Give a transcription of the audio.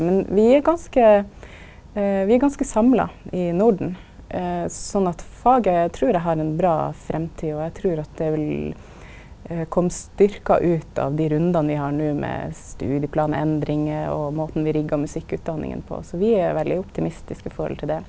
men vi er ganske vi er ganske samla i norden sånn at faget trur eg har ei bra framtid, og eg trur at det vil komma styrkt ut av dei rundane vi har no med studieplanendringar og måten vi riggar musikkutdanninga på, så vi er veldig optimistisk i forhold til det.